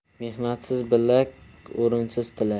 mehnatsiz bilak o'rinsiz tilak